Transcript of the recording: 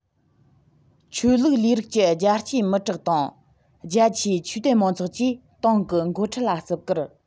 ཆོས ལུགས ལས རིགས ཀྱི རྒྱལ གཅེས མི དྲག དང རྒྱ ཆེའི ཆོས དད མང ཚོགས ཀྱིས ཏང གི འགོ ཁྲིད ལ བརྩི བཀུར